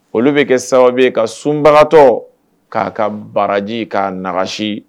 Olu bɛ kɛ sababu ka sunbagatɔ k'a ka baraji k'a nakasi.